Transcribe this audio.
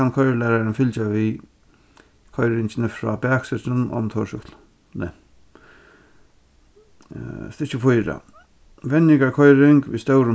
kann koyrilæraran fylgja við koyringini frá baksetrinum á motorsúkkluni stykki fýra venjingarkoyring við stórum